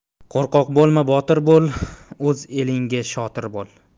qo'rqoq bo'lma botir bo'l o'z elinga shotir bo'l